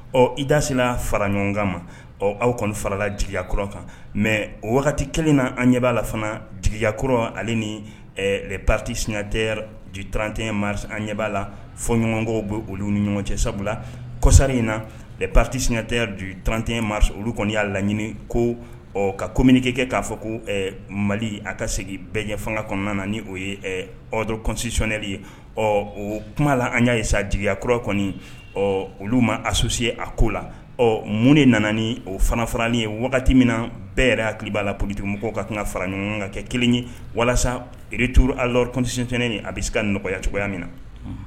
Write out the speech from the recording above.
Ɔ i dasela fara ɲɔgɔn ma ɔ aw kɔni faralajyakɔrɔ kan mɛ o wagati kɛlen na an ɲɛ' la fana jigiyakɔrɔ ale ni lɛptisiɲɛtɛ tte an ɲɛbaa la fɔ ɲɔgɔnkaw bɛ olu ni ɲɔgɔn cɛ sabu kosari in na ptisiɲɛterante olu kɔni y'a laɲini ko ka kominike kɛ k'a fɔ ko mali a ka segin bɛɛɲɛ fanga kɔnɔna na ni o ye ɔ dɔrɔn cosicɛli ye ɔ o kuma la an y'a sajya kura kɔni ɔ olu ma asuse a ko la ɔ mun de nana ni o fana faralen ye wagati min na bɛɛ yɛrɛ hakili b' la pbiti mɔgɔw ka kan ka fara ɲɔgɔn ka kɛ kelen ye walasa returu cositnen a bɛ se ka nɔgɔyaya cogoya min na